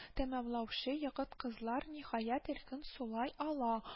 Тәмамлаучы егэт-кызлар, ниһаять, иркен сулай ала